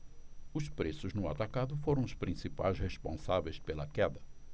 os preços no atacado foram os principais responsáveis pela queda